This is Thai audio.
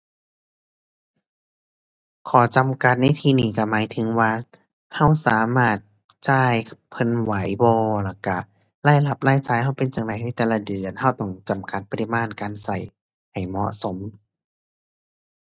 ข้อจำกัดในที่นี้ก็หมายถึงว่า ก็สามารถจ่ายเพิ่นไหวบ่ แล้วก็รายรับรายจ่ายก็เป็นจั่งใดในแต่ละเดือน ก็ต้องจำกัดปริมาณการก็ ให้เหมาะสม